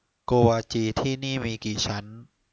โกวาจีที่นี่มีกี่ชั้น